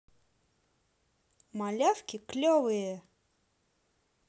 малявки клевые